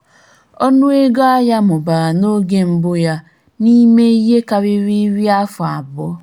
Ọnụego ahịa mụbara n'oge mbụ ya n'ime ihe karịrị iri afọ abụọ.